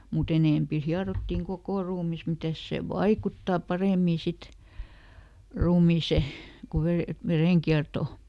mutta enempi hierottiin koko ruumis mitäs se vaikuttaa paremmin sitten ruumiiseen kun - verenkiertoon